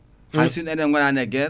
hay sinno enen en gonani e guerre